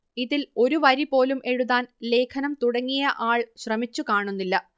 ഇതിൽ ഒരു വരി പോലും എഴുതാൻ ലേഖനം തുടങ്ങിയ ആൾ ശ്രമിച്ചു കാണുന്നില്ല